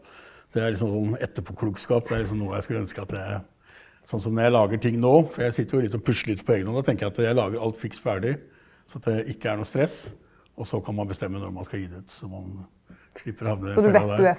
det er liksom etterpåklokskap er noe jeg skulle ønske at jeg sånn som når jeg lager ting nå for jeg sitter jo litt og pusler litt på egenhånd, da tenker jeg at jeg lager alt fiks ferdig sånn at det ikke er noe stress også kan man bestemme når man skal gi det ut, så man slipper å havne i den fella der.